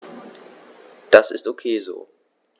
Das ist ok so.